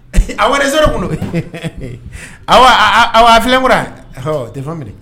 A wari se tun don awfilenkura tɛ minɛ